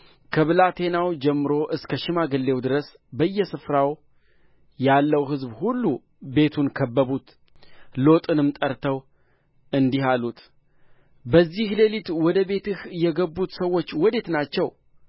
ከብላቴናው ጀምሮ እስከ ሽማግሌው ድረስ በየስፍራው ያለው ሕዝብ ሁሉ ቤቱን ከበቡት ሎጥንም ጠርተው እንዲህ አሉት በዚህ ሌሊት ወደ ቤትህ የገቡት ሰዎች ወዴት ናቸው